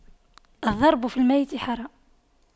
الضرب في الميت حرام